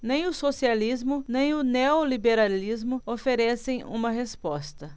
nem o socialismo nem o neoliberalismo oferecem uma resposta